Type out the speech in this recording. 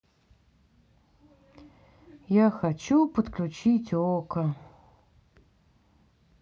я хочу подключить окко